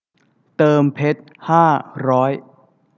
เติมเพชรห้าร้อย